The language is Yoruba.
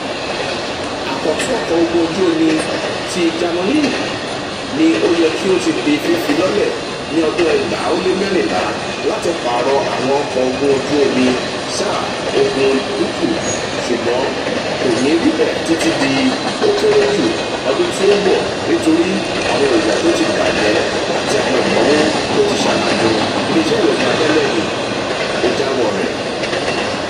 Àkọ̀tun Ọkọ̀ ogun ojú omi ti Jámáànù ní ó yẹ kí ó ti di fífi lọ́lẹ̀ ní ọdún 2014 láti pààrọ̀ àwọn ọkọ̀ ogun ojú omi Sáà-ogún Dúkùú, ṣùgbọ́n kò ní rí bẹ́ẹ̀ títí di, ó kéré jù, ọdún í ó ń bọ̀ nítorí àwọn èròjà tó ti bàjẹ̀ àti àwọn ìnáwò tó ti ṣarajọ, ilé iṣẹ́ ìròyìn abẹ́léni ó jábọ̀ rẹ̀.